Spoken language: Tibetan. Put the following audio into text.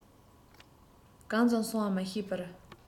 གང ཙམ སོང བར མ ཤེས པར